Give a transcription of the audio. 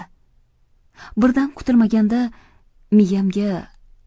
birdan kutilmaganda miyamga